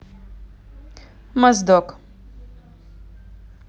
моздок